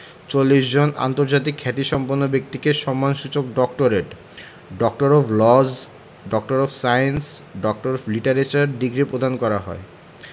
৪০ জন আন্তর্জাতিক খ্যাতিসম্পন্ন ব্যক্তিকে সম্মানসূচক doctorate doctor of laws doctor of science doctor of literature degree প্রদান করা হয়